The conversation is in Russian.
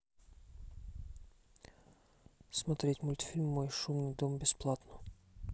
смотреть мультфильм мой шумный дом бесплатно